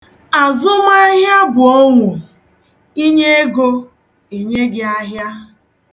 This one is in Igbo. Azụmaahịa bụ onwo. I nye ego, e nye gị ahịa.